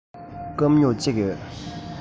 སྐམ སྨྱུག གཅིག ཡོད